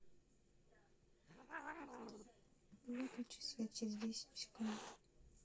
давай потом мультики включишь